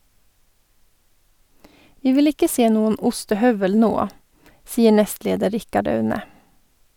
- Vi vil ikke se noen ostehøvel nå , sier nestleder Richard Aune.